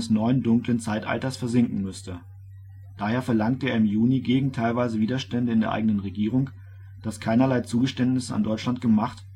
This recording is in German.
neuen Dunklen Zeitalters versinken " müsste. Daher verlangte er im Juni gegen teilweise Widerstände in der eigenen Regierung, dass keinerlei Zugeständnisse an Deutschland gemacht